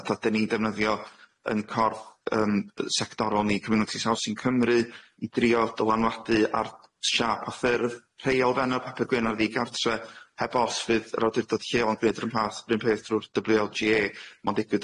a dydyn ni defnyddio yn corff yym yy sectorol ni Community Housing Cymru i driodd dylanwadu ar sharp a ffyrdd rhei o'l fen o'r papur gwyn ar ddigartre heb os fydd yr awdurdod lleol yn gweud yr ymhath rwun peth drw'r Double-you El Gee Ay ma'n ddigwydd